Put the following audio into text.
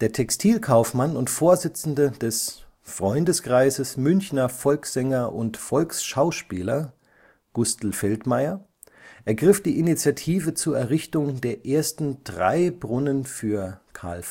Textilkaufmann und Vorsitzende des Freundeskreises Münchner Volkssänger und Volksschauspieler, Gustl Feldmeier, ergriff die Initiative zur Errichtung der ersten drei Brunnen für Karl